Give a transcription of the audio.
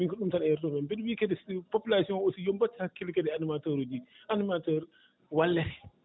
miin ko ɗum tan eerotoomi on mbiɗa wiya kadi population aussi yo ɓe mbattu hakkille kadi e animateur uuji ɗi animateur wallete